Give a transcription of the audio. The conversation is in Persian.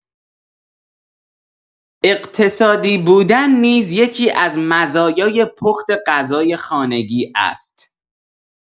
اقتصادی بودن نیز یکی‌از مزایای پخت غذای خانگی است.